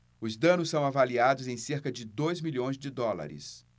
os danos são avaliados em cerca de dois milhões de dólares